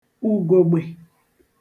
ùgògbè